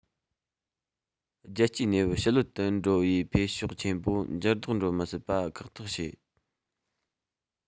རྒྱལ སྤྱིའི གནས བབ ཞི ལྷོད དུ འགྲོ བའི འཕེལ ཕྱོགས ཆེན པོ འགྱུར ལྡོག འགྲོ མི སྲིད པ ཁག ཐེག བྱས